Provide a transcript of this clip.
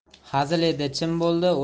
hazil edi chin bo'ldi